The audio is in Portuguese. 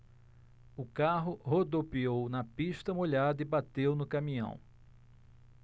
o carro rodopiou na pista molhada e bateu no caminhão